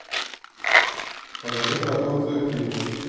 покажите про турцию фильм